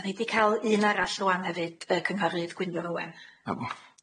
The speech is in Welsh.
Dan ni di ca'l un arall rŵan hefyd yy cynghorydd Gwynfydd Owen. Ia- iawn